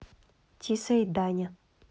тиса и даня